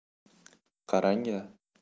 qarang a